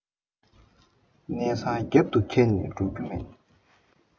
གནས ཚང རྒྱབ ཏུ འཁྱེར ནས འགྲོ རྒྱུ མེད